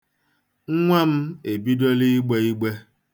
Nwa m ebidola igbe igbe.